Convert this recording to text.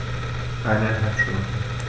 Eineinhalb Stunden